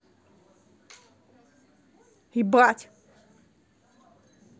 ибать